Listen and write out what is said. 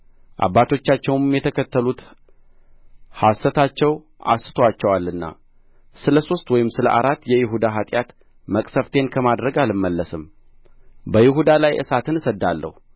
አባቶቻቸውም የተከተሉት ሐሰታቸው አስቶአቸዋልና ስለ ሦስት ወይም ስለ አራት የይሁዳ ኃጢአት መቅሠፍቴን ከማድረግ አልመለስም በይሁዳ ላይ እሳትን እሰድዳለሁ